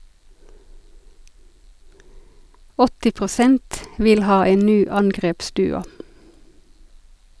80 prosent vil ha en ny angrepsduo.